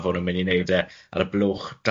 mynd i neud e ar y blwch dan y